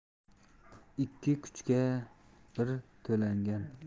yov qo'liga tushsang ham siring aytma